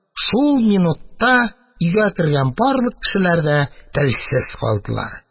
Шул минутта өйгә кергән барлык кешеләр дә телсез калдылар